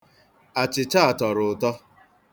Achịcha a tọrọ ụtọ.